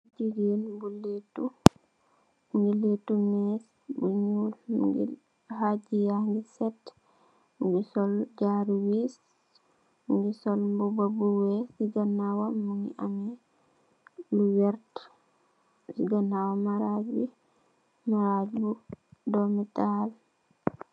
Gigen bu letu.mu gi letu mech bu nglu higi yangi set mugi sol jaru wees mu sol mbuba bu wey si ganow am lu verter.si ganow marai bi marai bu domital.